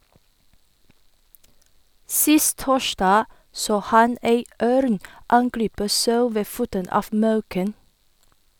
Sist torsdag så han ei ørn angripe sau ved foten av Mauken.